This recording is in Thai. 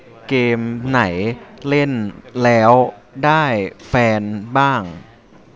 เกมไหนเล่นแล้วได้แฟนบ้าง